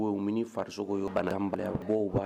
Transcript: Ni fariso ye bali bila b'